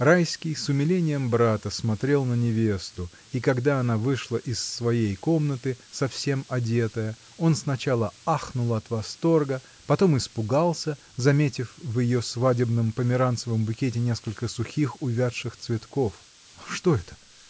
Райский с умилением брата смотрел на невесту, и когда она вышла из своей комнаты, совсем одетая, он сначала ахнул от восторга, потом испугался, заметив в ее свадебном померанцевом букете несколько сухих, увядших цветков. — Что это?